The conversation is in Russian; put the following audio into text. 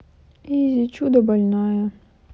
izi чудо больная